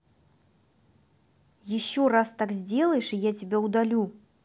еще раз так сделаешь и тебя удалю